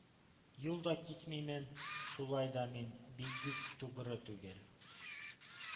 Юл да кисмимен, шулай да мин бигүк тугьры түгел.